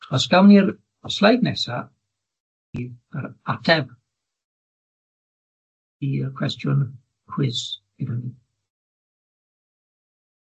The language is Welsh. Os gawn ni'r sleid nesa i yr ateb i'r cwestiwn cwis iddyn ni.